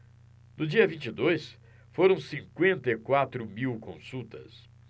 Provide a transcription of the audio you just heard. no dia vinte e dois foram cinquenta e quatro mil consultas